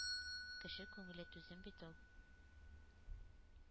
Кеше күңеле түзем бит ул.